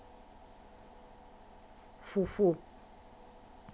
фу фу